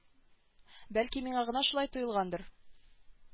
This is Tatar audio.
Бәлки миңа гына шулай тоелгандыр